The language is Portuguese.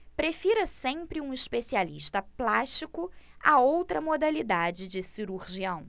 prefira sempre um especialista plástico a outra modalidade de cirurgião